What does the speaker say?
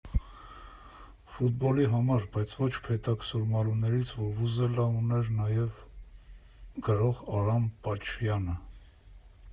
Ֆուտբոլի համար, բայց ոչ փեթակսուրմալուներից վուվուզելա ուներ նաև գրող Արամ Պաչյանը։